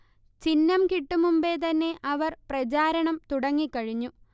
ചിഹ്നം കിട്ടും മുൻപേ തന്നെ അവർ പ്രചാരണം തുടങ്ങിക്കഴിഞ്ഞു